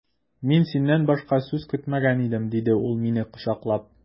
Мин синнән башка сүз көтмәгән идем, диде ул мине кочаклап.